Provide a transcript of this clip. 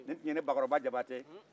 nin tun ye ne bakɔrɔba jabate